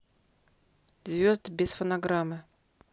звезды без фонограммы